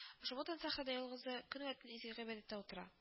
Ошбу тын сәхрәдә ялгызы көн вә төн изге гыйбадәттә утыра